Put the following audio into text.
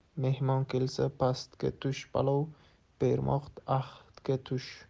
mehmon kelsa pastga tush palov bermoq ahdga tush